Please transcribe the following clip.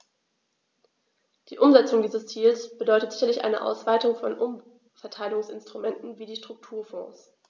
Die Umsetzung dieses Ziels bedeutet sicherlich eine Ausweitung von Umverteilungsinstrumenten wie die Strukturfonds.